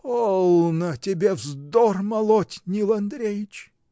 — Полно тебе вздор молоть, Нил Андреич!